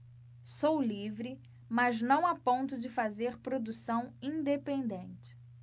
sou livre mas não a ponto de fazer produção independente